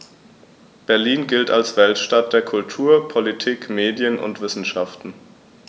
Berlin gilt als Weltstadt[9] der Kultur, Politik, Medien und Wissenschaften.